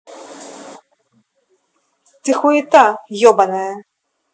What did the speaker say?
ты хуета ебаная